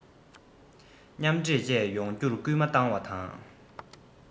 མཉམ འདྲེས བཅས ཡོང རྒྱུར སྐུལ མ བཏང བ དང